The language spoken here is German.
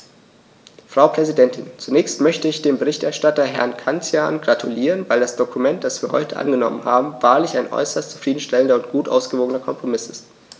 Frau Präsidentin, zunächst möchte ich dem Berichterstatter Herrn Cancian gratulieren, weil das Dokument, das wir heute angenommen haben, wahrlich ein äußerst zufrieden stellender und gut ausgewogener Kompromiss ist.